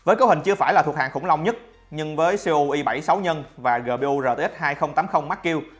với cấu hình chưa phải là thuộc hàng khủng long nhất nhưng với cpu i nhân và gpu rtx max q